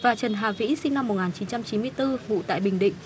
và trần hà vĩ sinh năm một ngàn chín trăm chín mươi tư ngụ tại bình định